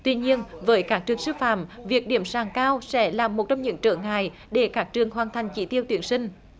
tuy nhiên với các trường sư phạm việc điểm sàn cao sẽ là một trong những trở ngại để các trường hoàn thành chỉ tiêu tuyển sinh